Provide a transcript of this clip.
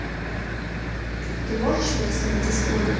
ты можешь мне рассказать историю